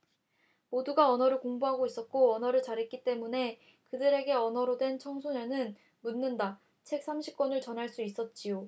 모두가 언어를 공부하고 있었고 영어를 잘했기 때문에 그들에게 영어로 된 청소년은 묻는다 책 삼십 권을 전할 수 있었지요